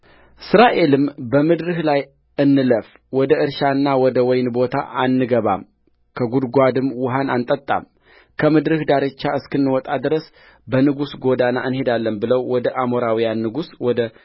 እስራኤልም በምድርህ ላይ እንለፍ ወደ እርሻና ወደ ወይን ቦታ አንገባም ከጕድጓድም ውኃን አንጠጣም ከምድርህ ዳርቻ እስክንወጣ ድረስ በንጉሥ ጐዳና እንሄዳለን ብለው ወደ አሞራውያን ንጉሥ ወደ